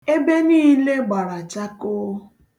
Ebe niile gbara chakoo.